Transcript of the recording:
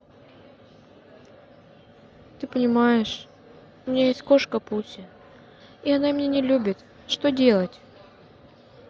ты понимаешь у меня есть кошка пуся и она меня не любит что делать